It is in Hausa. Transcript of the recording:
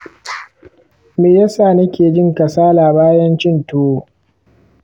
me yasa nike jin kasala bayan cin tuwo?